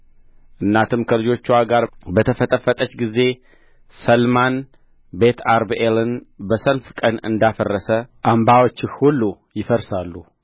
እናትም ከልጆችዋ ጋር በተፈጠፈጠች ጊዜ ሰልማን ቤትአርብኤልን በሰልፍ ቀን እንዳፈረሰ አምባዎችህ ሁሉ ይፈርሳሉ